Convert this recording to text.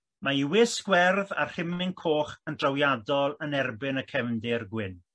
Mae i wysg werdd a rhimwyn coch yn drawiadol yn erbyn y cefndir gwyn.